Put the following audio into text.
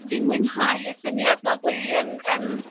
fi'n mwynhau y syniad 'ma bo' ni yn yn